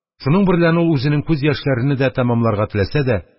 Шуның берлән ул үзенең күз яшьләрене дә тәмамларга теләсә дә